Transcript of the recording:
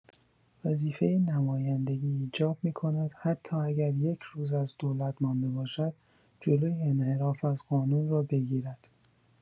وظیفه نمایندگی ایجاب می‌کند حتی اگر یک روز از دولت مانده باشد، جلوی انحراف از قانون را بگیرد.